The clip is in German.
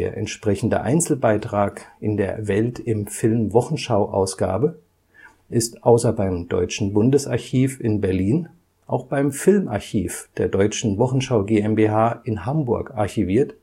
entsprechende Einzelbeitrag (‚ Nr. 07 ‘) in der Welt-im-Film-Wochenschau-Ausgabe (‚ WFD 0136 ‘) ist außer beim Deutschen Bundesarchiv in Berlin auch beim Filmarchiv der Deutschen Wochenschau GmbH in Hamburg archiviert